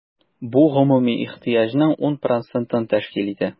Бу гомуми ихтыяҗның 10 процентын тәшкил итә.